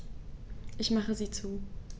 Ich mache sie zu.